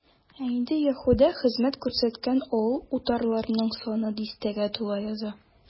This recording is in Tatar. Ә инде Яһүдә хезмәт күрсәткән авыл-утарларның саны дистәгә тула яза.